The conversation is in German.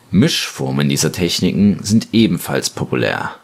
Mischformen dieser Techniken sind ebenfalls populär